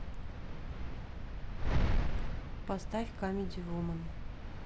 поставь камеди вумен